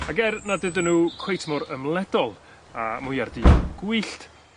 ag er nad ydyn n'w cweit mor ymledol â mwyar duon gwyllt